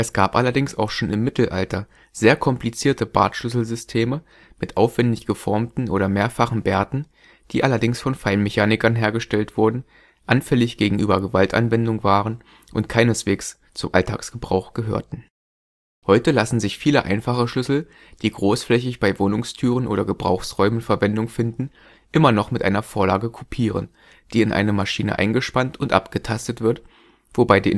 gab allerdings auch schon im Mittelalter sehr komplizierte Bartschlüssel-Systeme mit aufwendig geformten oder mehrfachen Bärten, die allerdings von Feinmechanikern hergestellt wurden, anfällig gegenüber Gewaltanwendung waren und keinesfalls zum Alltagsgebrauch gehörten. Heute lassen sich viele einfache Schlüssel, die großflächig bei Wohnungstüren oder Gebrauchsräumen Verwendung finden, immer noch mit einer Vorlage kopieren, die in eine Maschine eingespannt und abgetastet wird, wobei die